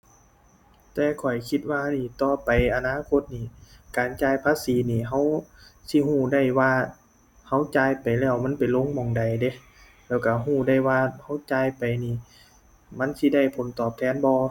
แต่ข้อยคิดว่านี่ ต่อไปอนาคตนี่ การจ่ายภาษีนี่เราสิเราได้ว่าเราจ่ายไปแล้วมันไปลงหม้องใดเดะ แล้วเราเราได้ว่าเราจ่ายไปนี่มันสิได้ผลตอบแทนบ่